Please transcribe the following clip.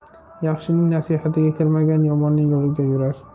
yaxshining nasihatiga kirmagan yomonning yo'liga yurar